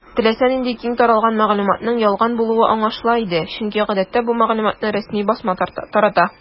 Теләсә нинди киң таралган мәгълүматның ялган булуы аңлашыла иде, чөнки гадәттә бу мәгълүматны рәсми басма тарата.